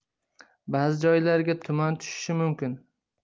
ba'zi joylarga tuman tushishi mumkin